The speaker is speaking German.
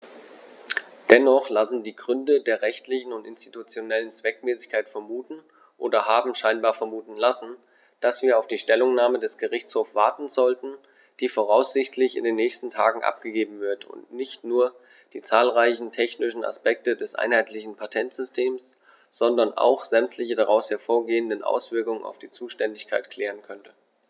Dennoch lassen die Gründe der rechtlichen und institutionellen Zweckmäßigkeit vermuten, oder haben scheinbar vermuten lassen, dass wir auf die Stellungnahme des Gerichtshofs warten sollten, die voraussichtlich in den nächsten Tagen abgegeben wird und nicht nur die zahlreichen technischen Aspekte des einheitlichen Patentsystems, sondern auch sämtliche daraus hervorgehenden Auswirkungen auf die Zuständigkeit klären könnte.